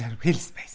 Wheels space.